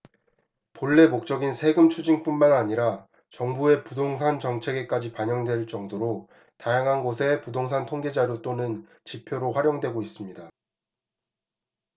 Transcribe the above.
본래 목적인 세금추징뿐만 아니라 정부의 부동산 정책에까지 반영될 정도로 다양한 곳에 부동산 통계자료 또는 지표로 활용되고 있습니다